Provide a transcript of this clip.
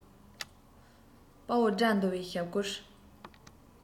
དཔའ བོ དགྲ འདུལ བའི ཞབས བསྐུལ